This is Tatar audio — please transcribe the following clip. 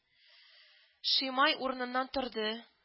Шимай урыныннан торды